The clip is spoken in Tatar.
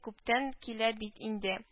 Күптән килә бит инде